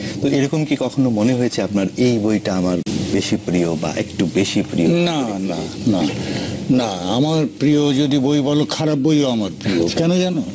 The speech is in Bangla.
তো এরকম কি আপনার কখনো মনে হয়েছে যে এই বইটা আমার বেশি প্রিয় বা একটু বেশি প্রিয় না না না আমার প্রিয় যদি বই বলো খারাপ বই ও আমার প্রিয় কেন জানো